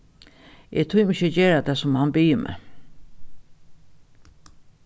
eg tími ikki at gera tað sum hann biður meg